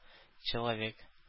Человек